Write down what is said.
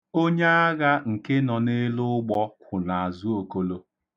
Onyaagha nke nọ n'elu ụgbọ kwụ n'azụ okolo.